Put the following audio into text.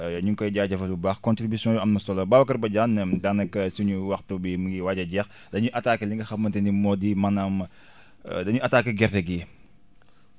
ñu ngi koy jaajëfal bu baax contribution bi am na solo Babacar Badiane daanaka suñu waxtu bi mu ngi waaj a jeex dañuy attaquer li nga xamante ni moo di maanaam dañuy attaquer gerte gi